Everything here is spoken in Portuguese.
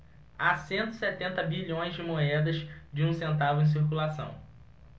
há cento e setenta bilhões de moedas de um centavo em circulação